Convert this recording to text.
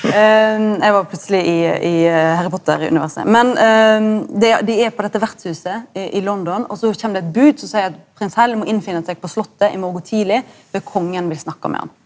eg var plutseleg i i Harry Potter-universet, men det dei er på dette vertshuset i i London og så kjem det eit bod som seier at prins Hal må innfinne seg på slottet i morgon tidleg for kongen vil snakke med han.